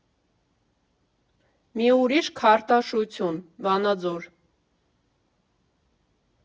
Մի ուրիշ քարտաշություն, Վանաձոր։